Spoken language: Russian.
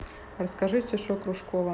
расскажи стишок кружкова